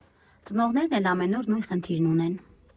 Ծնողներն էլ ամենուր նույն խնդիրն ունեն.